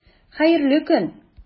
Хәерле көн!